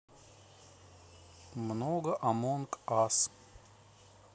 много амонг ас